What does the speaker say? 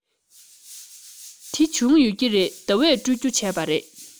དེ བྱུང ཡོད ཀྱི རེད ཟླ བས སྤྲོད རྒྱུ བྱས པ རེད